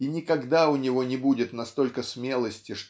И никогда у него не будет настолько смелости